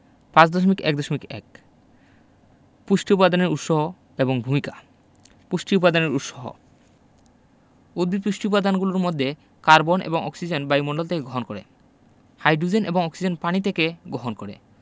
৫.১.১ পুষ্টি উপাদানের উৎসহ এবং ভূমিকা পুষ্টি উপাদানের উৎসহ উদ্ভিদ পুষ্টি উপাদানগুলোর মধ্যে কার্বন এবং অক্সিজেন বায়ুমণ্ডল থেকে গহণ করে হাই্ডোজেন এবং অক্সিজেন পানি থেকে গহণ করে